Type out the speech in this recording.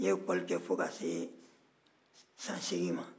n ye ɛkɔli kɛ fo ka se san seegin ma